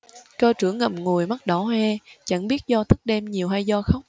cơ trưởng ngậm ngùi mắt đỏ hoe chẳng biết do thức đêm nhiều hay do khóc